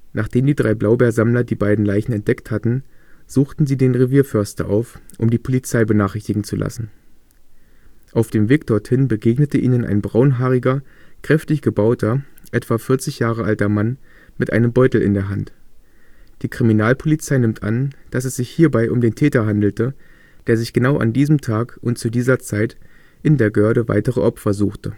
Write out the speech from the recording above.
Nachdem die drei Blaubeersammler die beiden Leichen entdeckt hatten, suchten sie den Revierförster auf, um die Polizei benachrichtigen zu lassen. Auf dem Weg dorthin begegnete ihnen ein braunhaariger, kräftig gebauter, etwa 40 Jahre alter Mann mit einem Beutel in der Hand. Die Kriminalpolizei nimmt an, dass es sich hierbei um den Täter handelte, der sich genau an diesem Tag und zu dieser Zeit in der Göhrde weitere Opfer suchte